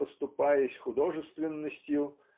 поступаясь художественностью